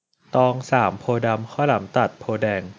ตองสามโพธิ์ดำข้าวหลามตัดโพธิ์แดง